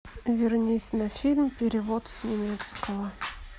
вернись на фильм перевод с немецкого